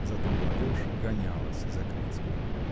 Зато молодежь гонялась за Крицкой.